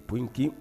Pki